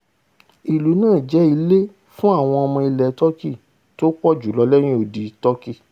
Ìlú náà jẹ́ ilé fún àwọn ọmọ ilẹ̀ Tọki tópọ̀ jùlọ lẹ́yìn odi Tọki.